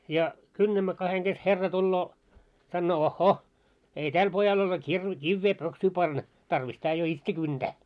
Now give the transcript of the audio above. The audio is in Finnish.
ja kynnämme kahden kesken herra tulee sanoo ohhoh ei tällä pojalla ole - kiveä pöksyyn panna tarvis tämä jo itse kyntää